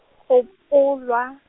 gopolwa.